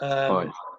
yy... oedd